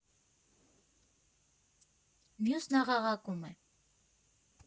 Մյուսն աղաղակում է.